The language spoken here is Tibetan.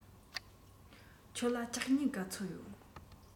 ཁྱོད ལ ལྕགས སྨྱུག ག ཚོད ཡོད